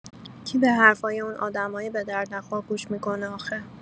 کی به حرفای اون آدمای بدردنخور گوش می‌کنه آخه؟